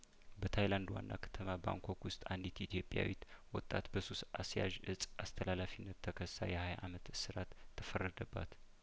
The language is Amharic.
በታይላንድ ዋና ከተማ ባንኮክ ውስጥ አንዲት ኢትዮጵያዊት ወጣት በሱስ አስያዥ እጽ አስተላላፊነት ተከሳ የሀያአመት እስራት ተፈረደባት